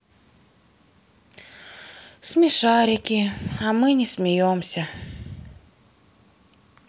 смешарики а мы не смеемся